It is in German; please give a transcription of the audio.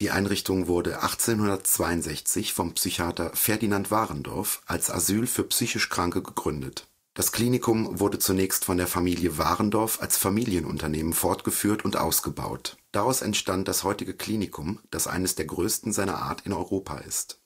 Einrichtung wurde 1862 vom Psychiater Ferdinand Wahrendorff als Asyl für psychisch Kranke gegründet. Das Klinikum wurde zunächst von der Familie Wahrendorff als Familienunternehmen fortgeführt und ausgebaut. Daraus entstand das heutige Klinikum, das eines der größten seiner Art in Europa ist